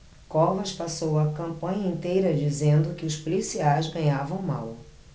covas passou a campanha inteira dizendo que os policiais ganhavam mal